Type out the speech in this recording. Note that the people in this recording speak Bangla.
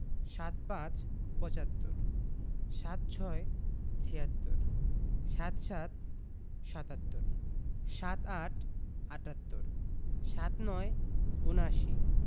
৭৫ – পঁচাত্তর ৭৬ - ছিয়াত্তর ৭৭ – সাত্তর ৭৮ – আটাত্তর ৭৯ – উনআশি